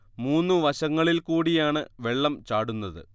മൂന്നു വശങ്ങളിൽ കൂടിയാണ് വെള്ളം ചാടുന്നത്